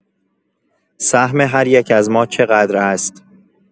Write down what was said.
سهم هر یک از ما چقدر است؟